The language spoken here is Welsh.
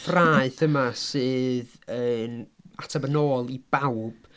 a ffraeth yma sydd yn ateb yn ôl i bawb,